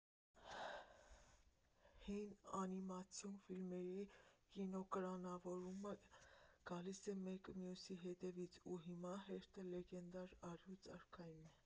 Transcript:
Հին անիմացիոն ֆիլմերի կինոէկրանավորումները գալիս են մեկը մյուսի հետևից, ու հիմա հերթը լեգենդար «Առյուծ արքայինն» է։